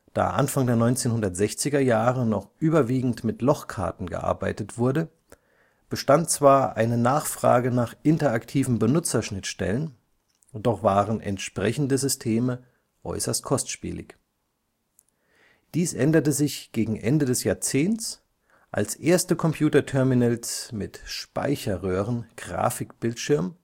Da Anfang der 1960er Jahre noch überwiegend mit Lochkarten gearbeitet wurde, bestand zwar eine Nachfrage nach interaktiven Benutzerschnittstellen, doch waren entsprechende Systeme äußerst kostspielig. Dies änderte sich gegen Ende des Jahrzehnts, als erste Computerterminals mit Speicherröhren-Grafikbildschirmen